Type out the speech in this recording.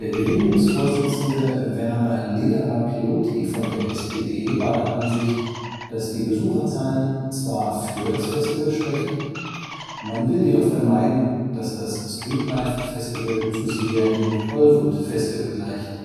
Gremiumsvorsitzende Werner Lederer-Piloty von der SPD war der Ansicht, dass die Besucherzahlen zwar für das Festival sprechen, man will jedoch vermeiden, dass das Streetlife Festival zu sehr dem Tollwood-Festival gleicht